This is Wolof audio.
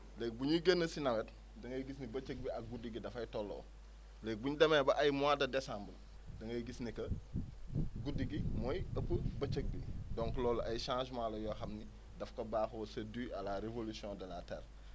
léegi bu énuy génn si nawet da ngay gis ne bëccëg bi ak guddi gi dafay tolloo léegi bu ñu demee ba ay mois de décembre da ngay gis ne guddi gi mooy ëpp bëccëg bi donc loolu ay changement la yoo xam ni daf ko baaxoo c' est du à la révolution de la terre